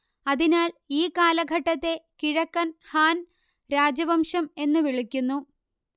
അതിനാൽ ഈ കാലഘട്ടത്തെ കിഴക്കൻ ഹാൻ രാജവംശം എന്നു വിളിക്കുന്നു